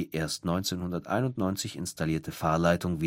erst 1991 installierte Fahrleitung